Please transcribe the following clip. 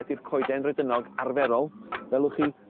ydi'r coeden redynog arferol welwch chi